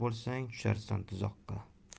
bo'lsang tusharsan tuzoqqa